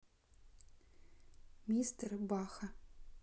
мистер баха